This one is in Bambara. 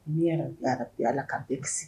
Amiyarabi, yarabi ala k'a bɛɛ kisi.